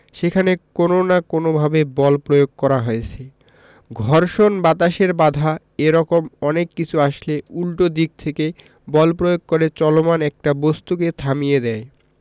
সেখানে কোনো না কোনোভাবে বল প্রয়োগ করা হয়েছে ঘর্ষণ বাতাসের বাধা এ রকম অনেক কিছু আসলে উল্টো দিক থেকে বল প্রয়োগ করে চলমান একটা বস্তুকে থামিয়ে দেয়